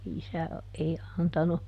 isä ei antanut